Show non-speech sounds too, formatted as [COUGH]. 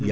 [HESITATION] [HESITATION]